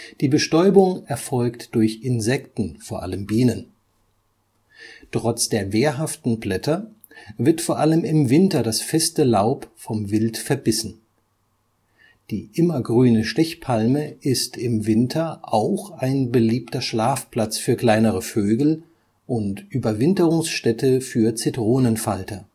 Die Bestäubung erfolgt durch Insekten, vor allem Bienen. Trotz der wehrhaften Blätter wird vor allem im Winter das feste Laub vom Wild verbissen. Die immergrüne Stechpalme ist im Winter auch ein beliebter Schlafplatz für kleinere Vögel und Überwinterungsstätte für Zitronenfalter